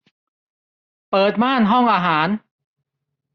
เปิดม่านห้องอาหาร